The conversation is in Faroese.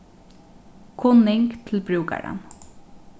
kunning til brúkaran